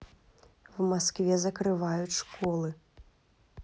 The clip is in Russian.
в москве закрывают школы